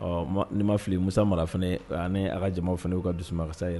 Ɔ n ma fili musa mara fana a ka jama fana' u ka dusu ma kasa yɛrɛ